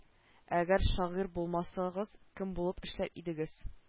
Әгәр шагыйрь булмасагыз кем булып эшләр идегез